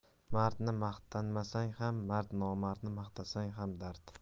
mardni maqtamasang ham mard nomardni maqtasang ham dard